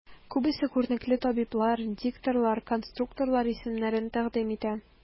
Күбесе күренекле табиблар, дикторлар, конструкторлар исемнәрен тәкъдим итә.